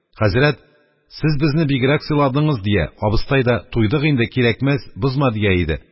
Хәзрәт: «Сез безне бигрәк сыйладыңыз», – дия, абыстай да: «Туйдык инде, кирәкмәс, бозма», – дия иде.